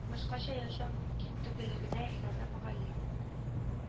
Башкача яшәү мөмкин түгеллегенә инана мөгаллим